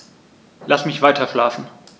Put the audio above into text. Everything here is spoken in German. Lass mich weiterschlafen.